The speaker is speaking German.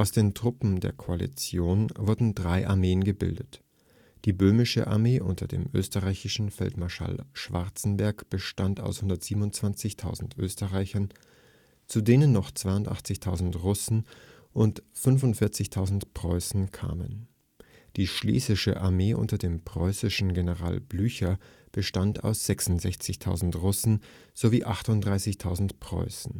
den Truppen der Koalition wurden drei Armeen gebildet: Die Böhmische Armee unter dem österreichischen Feldmarschall Schwarzenberg bestand aus den 127.000 Österreichern, zu denen noch 82.000 Russen und 45.000 Preußen kamen. Die Schlesische Armee unter dem preußischen General Blücher bestand aus 66.000 Russen sowie 38.000 Preußen. Die